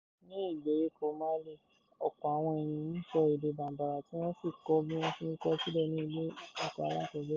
Ní ìgbèríko Mali, ọ̀pọ̀ àwọn èèyàn ń sọ èdè Bambara tí wọ́n sì kọ́ bí wọ́n ṣe ń kọọ́ sílẹ̀ ní ilé-ẹ̀kọ́ alákọ̀ọ́bẹ̀rẹ̀.